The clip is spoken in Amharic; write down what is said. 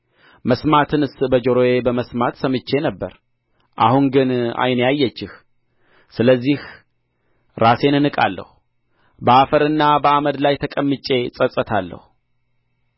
መስማትንስ በጆሮ በመስማት ሰምቼ ነበር አሁን ግን ዓይኔ አየችህ ስለዚህ ራሴን እንቃለሁ በአፈርና በአመድ ላይ ተቀምጬ እጸጸታለሁ